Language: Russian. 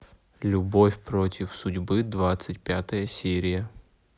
любовь против судьбы двадцать пятая серия